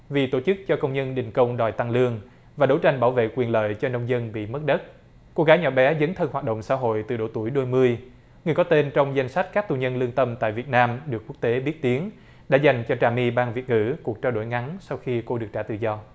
vì tổ chức cho công nhân đình công đòi tăng lương và đấu tranh bảo vệ quyền lợi cho nông dân bị mất đất cô gái nhỏ bé dấn thân hoạt động xã hội từ độ tuổi đôi mươi người có tên trong danh sách các tù nhân lương tâm tại việt nam được quốc tế biết tiến đã dành cho trà my ban việt ngữ cuộc trao đổi ngắn sau khi cô được trả tự do